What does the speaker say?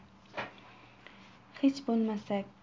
hech bo'lmasa